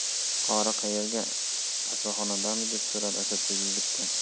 qori qaerda kasalxonadami deb so'radi asadbek yigitdan